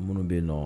Minnu bɛ nɔ